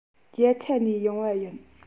རྒྱ ཚ ནས ཡོང བ ཡིན